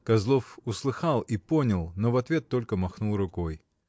Козлов услыхал и понял, но в ответ только махнул рукой.